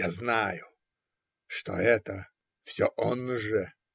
Я знаю, что это - все он же.